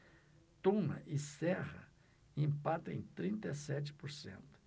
tuma e serra empatam em trinta e sete por cento